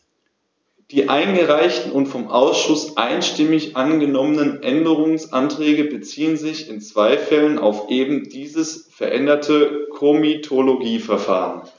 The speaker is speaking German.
Die eingereichten und vom Ausschuss einstimmig angenommenen Änderungsanträge beziehen sich in zwei Fällen auf eben dieses veränderte Komitologieverfahren.